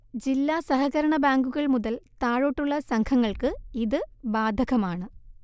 ജില്ലാ സഹകരണ ബാങ്കുകൾമുതൽ താഴോട്ടുള്ള സംഘങ്ങൾക്ക് ഇത് ബാധകമാണ്